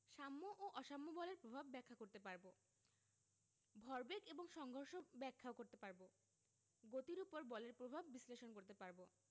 সাম্য ও অসাম্য বলের প্রভাব ব্যাখ্যা করতে পারব ভরবেগ এবং সংঘর্ষ ব্যাখ্যা করতে পারব গতির উপর বলের প্রভাব বিশ্লেষণ করতে পারব